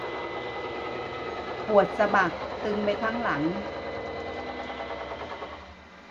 ปวดสะบักตึงไปทั้งหลัง